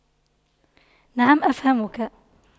نعم أفهمك